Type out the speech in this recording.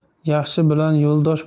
yaxshi bilan yo'ldosh